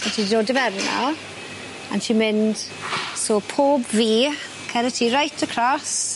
A ti dod â fe arno a'n ti'n mynd so pob vee cera ti right across.